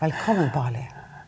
velkommen Barley.